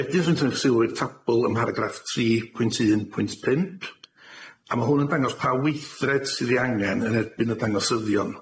Wedyn rwy'n tynnu'ch sylw i'r tabyl ym mharagraff tri pwynt un pwynt pump a ma' hwn yn dangos pa weithred sydd 'i angen yn erbyn y dangosyddion.